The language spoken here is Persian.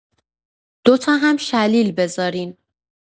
دو تا هم شلیل بذارین.